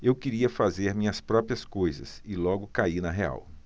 eu queria fazer minhas próprias coisas e logo caí na real